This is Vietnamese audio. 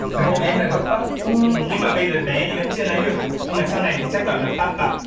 bởi vì em là gốc bắc nhưng mà bây giờ bé thì vẫn chưa nói được nhưng mà sau này thì chắc gọi là pa pà